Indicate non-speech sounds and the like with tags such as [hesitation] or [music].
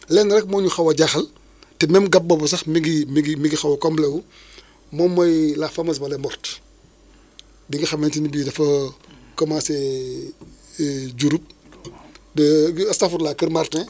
lenn rek moo ñu xaw a jaaxal te même gab boobu sax mi ngi mi ngi xaw a comblé wu [breath] moom mooy la fameuse vallée morte bi nga xamate ni bi dafa [hesitation] commencé [hesitation] Diouroup [noise] ba [hesitation] astafurlah kër Martin